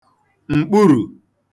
m̀kpurù